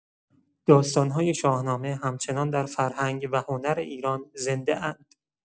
داستان‌های شاهنامه همچنان در فرهنگ و هنر ایران زنده‌اند.